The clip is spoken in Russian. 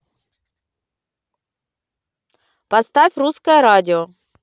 поставь русское радио